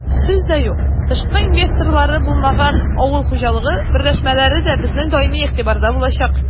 Сүз дә юк, тышкы инвесторлары булмаган авыл хуҗалыгы берләшмәләре дә безнең даими игътибарда булачак.